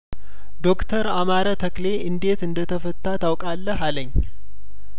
ዶክተር አማረ ተክሌ እንዴት እንደተፈታ ታውቃለህ አለኝ